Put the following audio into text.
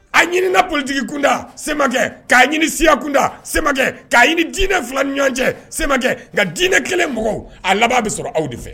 A ɲini na ptigi kunda semakɛ k'a ɲini siya kunda sekɛ k kaa ɲini dinɛ fila ni ɲɔgɔn cɛ sekɛ nka dinɛ kelen mɔgɔw a laban bɛ sɔrɔ aw de fɛ